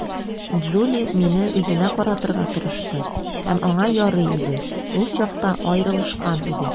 Джули мине үзенә каратырга тырышты, һәм аңа ярый иде - ул чакта аерылышкан иде.